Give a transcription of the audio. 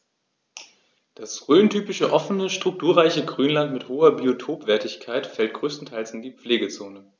Das rhöntypische offene, strukturreiche Grünland mit hoher Biotopwertigkeit fällt größtenteils in die Pflegezone.